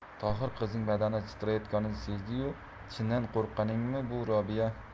tohir qizning badani titrayotganini sezdi yu chindan qo'rqqaningmi bu robiya